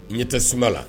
I ɲɛ tɛ suma la.